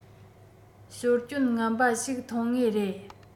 ཞོར སྐྱོན ངན པ ཞིག ཐོན ངེས རེད